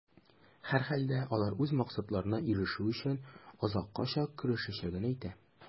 Һәрхәлдә, алар үз максатларына ирешү өчен, азаккача көрәшәчәген әйтә.